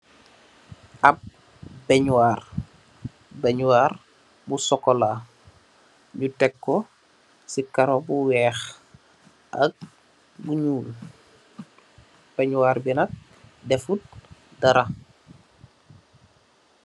Ap beñuwar, beñuwar bu sokola ñi tek ko ci karó bu wèèx ak bu ñuul. Beñuwar bi nak dèfut dara.